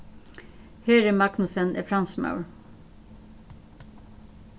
heri magnussen er fransmaður